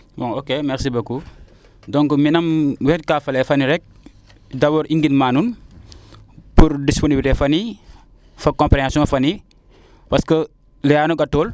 bon ok merci beaucoup donc mi nam weg kaa faley fane rek dabors i ngidma nuun pour disponibliter fani fo comprehension fani parce que leya no xa toor